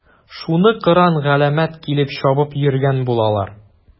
Шуны кыран-галәмәт килеп чабып йөргән булалар.